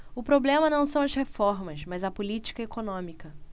o problema não são as reformas mas a política econômica